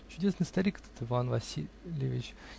Чудесный старик этот Иван Васильевич!